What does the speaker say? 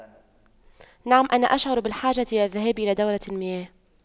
نعم انا اشعر بالحاجة إلى الذهاب إلى دورة المياه